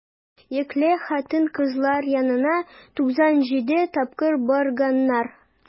Йөкле хатын-кызлар янына 97 тапкыр барганнар.